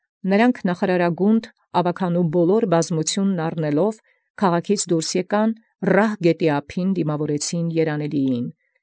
Որոց առեալ զամենայն նախարարագունդ աւագանւոյն ամբոխ, ի քաղաքէն ելեալ՝ պատահէին երանելւոյն զափամբ Ռահ գետոյն։